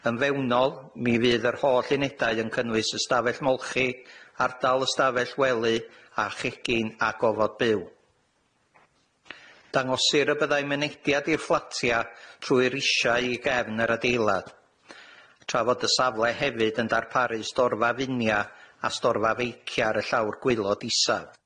Yn fewnol, mi fydd yr holl unedau yn cynnwys ystafell molchi, ardal ystafell wely, a chegin a gofod byw. Dangosir y byddai mynediad i'r fflatia trwy risiau i gefn yr adeilad, tra fod y safle hefyd yn darparu storfa funia a storfa feicia ar y llawr gwaelod isa.